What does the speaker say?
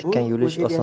tikan yulish oson